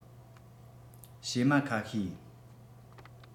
བྱེ མ ཁ ཤས ཡིན